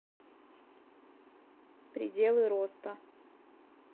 пределы роста